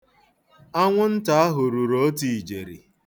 Anwụnta ahụ ruru otu ijeri.